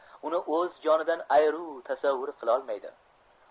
uni o'z jonidan ayru tasavvur qilolmaydi